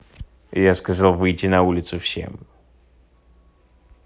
я сказал выйти на улицу всем